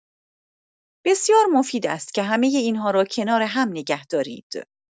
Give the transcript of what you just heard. بسیار مفید است که همه این‌ها را کنار هم نگه دارید.